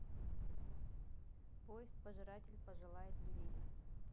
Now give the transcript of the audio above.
поезд пожиратель пожелает людей